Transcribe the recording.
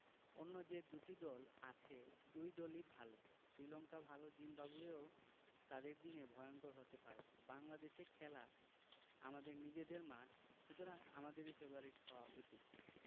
অন্য যে দুটি দল আছে দুই দলই ভালো শ্রীলঙ্কা ভালো জিম্বাবুয়েও তাদের দিনে ভয়ংকর হতে পারে বাংলাদেশে খেলা আমাদের নিজেদের মাঠ সুতরাং আমাদেরই ফেবারিট হওয়া উচিত